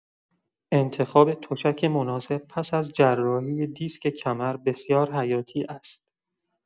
انتخاب تشک مناسب پس از جراحی دیسک کمر بسیار حیاتی است.